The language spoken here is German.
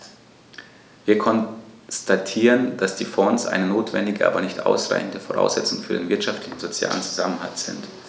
Wir konstatieren, dass die Fonds eine notwendige, aber nicht ausreichende Voraussetzung für den wirtschaftlichen und sozialen Zusammenhalt sind.